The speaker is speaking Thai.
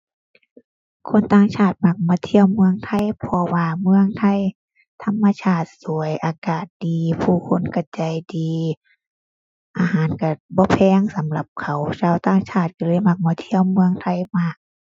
คนต่างชาติมักมาเที่ยวเมืองไทย เพราะว่าเมืองไทยธรรมชาติสวย อากาศดี ผู้คนก็ใจดี อาหารก็บ่แพงสำหรับเขา ชาวต่างชาติก็เลยมักมาเที่ยวเมืองไทยมาก